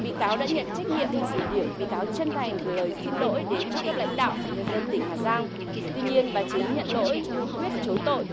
bị cáo đã nhận trách nhiệm và kiểm điểm bị cáo chân thành gửi lời xin lỗi đến các cấp lãnh đạo nhân dân tỉnh hà giang tuy nhiên bà chính nhận lỗi nhưng quyết chối tội